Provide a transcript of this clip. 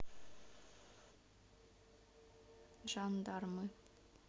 жандармы